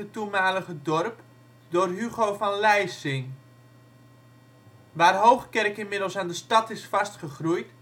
toenmalige dorp, door Hugo van Leising. Waar Hoogkerk inmiddels aan de stad is vastgegroeid